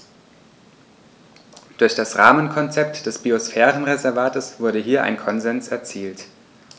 Durch das Rahmenkonzept des Biosphärenreservates wurde hier ein Konsens erzielt.